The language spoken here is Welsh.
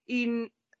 un